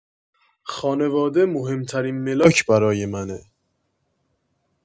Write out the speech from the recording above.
خانواده مهمترین ملاک برای منه